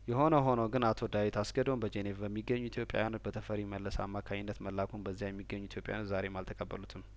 የሆነ ሆኖ ግን አቶ ዳዊት አስገዶም በጄኔቭ በሚገኙት ኢትዮጵያዊያን በተፈሪ መለስ አማካኝነት መላኩን በዚያ የሚገኙ ኢትዮጵያዊያን ዛሬም አልተቀበሉትም